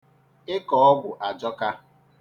Ịkọ ọgwụ ajọka.